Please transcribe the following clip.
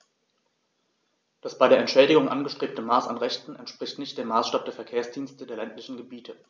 Das bei der Entschädigung angestrebte Maß an Rechten entspricht nicht dem Maßstab der Verkehrsdienste der ländlichen Gebiete.